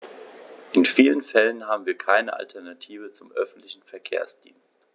In vielen Fällen haben wir keine Alternative zum öffentlichen Verkehrsdienst.